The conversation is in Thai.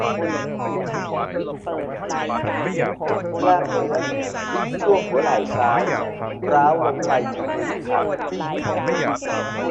เจ็บกล้ามเนื้อช่วงหัวไหล่ซ้ายร้าวลงไปที่มือค่ะ